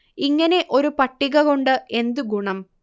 ഇങ്ങനെ ഒരു പട്ടിക കൊണ്ട് എന്തു ഗുണം